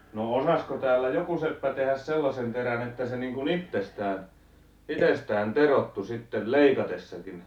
no osasiko täällä joku seppä tehdä sellaisen terän että se niin kuin itsestään itsestään teroittui sitten leikatessakin